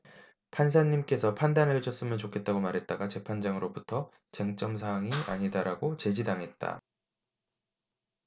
판사님께서 판단을 해줬으면 좋겠다고 말했다가 재판장으로부터 쟁점 사항이 아니다라고 제지당했다